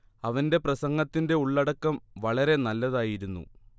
അവന്റെ പ്രസംഗത്തിന്റെ ഉള്ളടക്കം വളരെ നല്ലതായിരുന്നു